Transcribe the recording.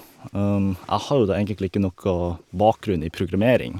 Jeg har jo da egentlig ikke nokka bakgrunn i programmering.